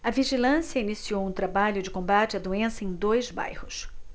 a vigilância iniciou um trabalho de combate à doença em dois bairros